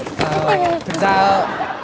à thực ra